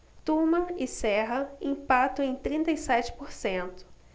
tuma e serra empatam em trinta e sete por cento